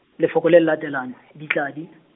lefoko le le latelang, ditladi.